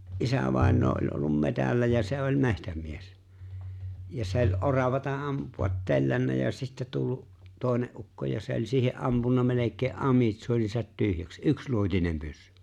isävainaja on ollut metsällä ja se oli metsämies ja se oli oravaa ampua tellännyt ja sitten tullut toinen ukko ja se oli siihen ampunut melkein amitsuoninsa tyhjäksi yksiluotinen pyssy